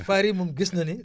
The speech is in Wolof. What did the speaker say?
faar yi moom gis na ni